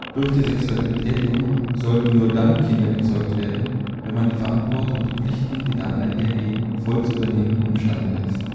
Durch die sexuelle Betätigung sollten nur dann Kinder gezeugt werden, wenn man die Verantwortung und die Pflichten, die damit einhergehen, voll zu übernehmen imstande ist